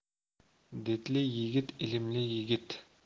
didli yigit ilmli yigit